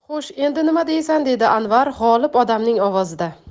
xo'sh endi nima deysan dedi anvar g'olib odamning ovozida